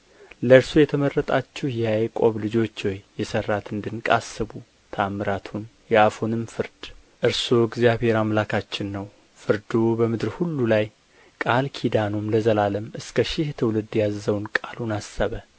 ለእርሱም የተመረጣችሁ የያዕቆብ ልጆች ሆይ የሠራትን ድንቅ አስቡ ተአምራቱን የአፉንም ፍርድ እርሱ እግዚአብሔር አምላካችን ነው ፍርዱ በምድር ሁሉ ነው ቃል ኪዳኑን ለዘላለም እስከ ሺህ ትውልድ ያዘዘውን ቃሉን አሰበ